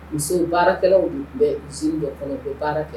Musow baarakɛlaw de tun bɛ z dɔ kɔnɔ bɛ baara kɛ